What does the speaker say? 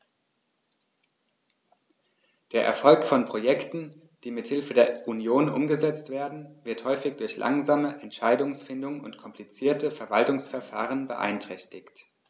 Der Erfolg von Projekten, die mit Hilfe der Union umgesetzt werden, wird häufig durch langsame Entscheidungsfindung und komplizierte Verwaltungsverfahren beeinträchtigt.